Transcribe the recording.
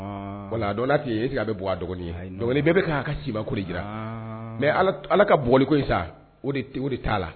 A dɔn' ese a bɛ bɔ a dɔgɔnin dɔgɔnin bɛ a ka ciba ko jira mɛ ala ka bonli ko in sa o de o de t'a la